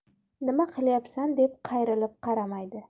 nima qilyapsan deb qayrilib qaramaydi